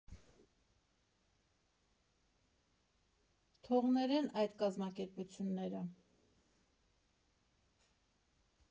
Թող ներեն այդ կազմակերպությունները։